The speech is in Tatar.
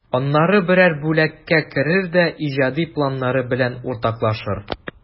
Аннары берәр бүлеккә керер дә иҗади планнары белән уртаклашыр.